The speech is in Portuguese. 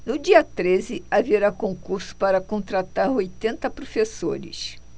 no dia treze haverá concurso para contratar oitenta professores